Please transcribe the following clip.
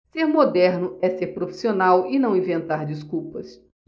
ser moderno é ser profissional e não inventar desculpas